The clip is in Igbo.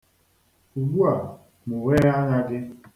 Ugbua, mụghee anya gị.